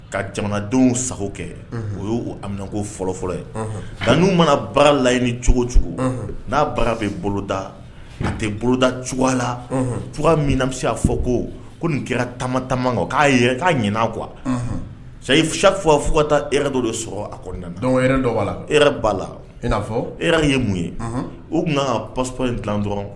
Ka jamanadenw sagogo kɛ o y' a ko fɔlɔ fɔlɔ ye nka n' mana baara layi ni cogo cogo n'abaga bɛ boloda a tɛ boloda cogoya a laug minmi' fɔ ko ko nin kɛra tama taama kan o k'a k'a ɲ' qu safa fo e dɔ de sɔrɔ a dɔ a la e ba la'afɔ e ye mun ye u tun passɔ in dilalan dɔrɔn